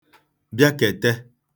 bịakète